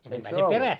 eikä se ollut